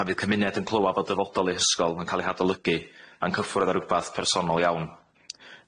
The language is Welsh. Pan fydd cymuned yn clywad bod dyfodol 'i hysgol yn ca'l ei hadolygu, ma'n cyffwrdd a rwbath personol iawn.